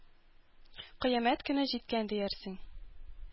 Кыямәт көне җиткән диярсең.